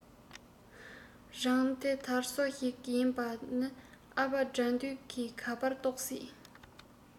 རང དེ དར སོ ཞིག ཡིན པ ནི ཨ ཕ དགྲ འདུལ གི ག པར རྟོག སྲིད